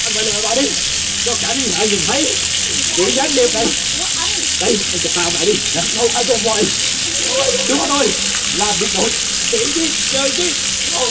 anh quay lưng anh lại đi cho cả thiên hạ nhìn thấy chữ gián điệp này đây em chụp tay ảnh lại đi đây nè chúng tôi là biệt đội chạy đi chờ chi